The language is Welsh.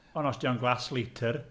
Ond os dyna'n glas litr...